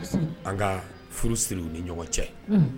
An ka furu siri u ni ɲɔgɔn cɛ